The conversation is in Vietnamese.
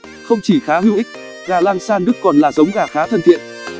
không chỉ khá hữu ích gà langshan đức còn là giống gà khá thân thiện